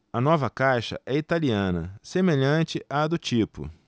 a nova caixa é italiana semelhante à do tipo